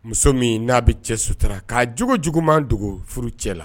Muso min n'a bɛ cɛ sutura k'a jugu juguman dogo furu cɛla la